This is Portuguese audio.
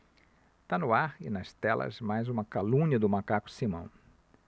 tá no ar e nas telas mais uma calúnia do macaco simão